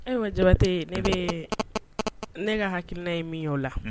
Ayiwa jabate ne bɛ ne ka hakiina ye min o la